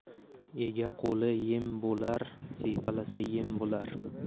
ega qo'li em bo'lar siypalasa yem bo'lar